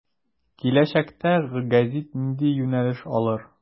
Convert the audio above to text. Киләчәктә гәзит нинди юнәлеш алыр.